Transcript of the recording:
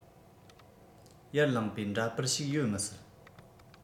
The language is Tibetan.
ཡར ལངས པའི འདྲ པར ཞིག ཡོད མི སྲིད